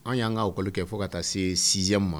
An y' k'aw kɛ fo ka taa se si ma